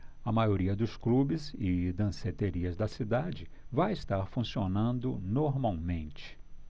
a maioria dos clubes e danceterias da cidade vai estar funcionando normalmente